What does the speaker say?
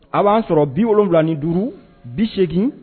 A' b'an sɔrɔ 75 80